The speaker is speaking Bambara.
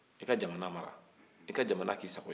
i ka jamana mara i ka jamana k'i sago ye